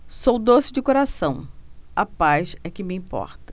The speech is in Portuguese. sou doce de coração a paz é que me importa